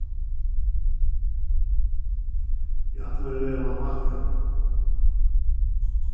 eg ætli mær at vera matematikari